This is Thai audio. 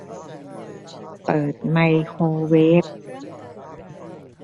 เปิดไมโครเวฟ